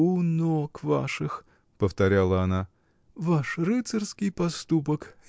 — У ног ваших, — повторяла она, — ваш рыцарский поступок.